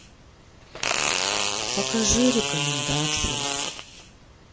покажи рекомендации